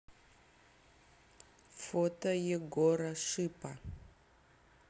фото егора шипа